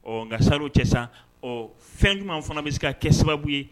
Ɔ n nka sari cɛ sisan ɔ fɛn jumɛn fana bɛ se ka kɛ sababu ye